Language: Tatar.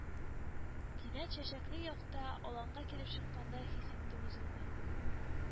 Кинәт чәчәкле якты аланга килеп чыккандай хис иттем үземне